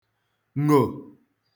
ṅò